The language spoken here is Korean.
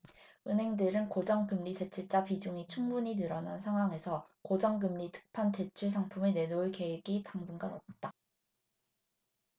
은행들은 고정금리대출자 비중이 충분히 늘어난 상황에서 고정금리 특판 대출상품을 내놓을 계획이 당분간 없다